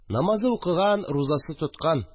Намазы укыган, рузасы тоткан